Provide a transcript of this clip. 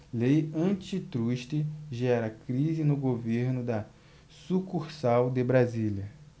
lei antitruste gera crise no governo da sucursal de brasília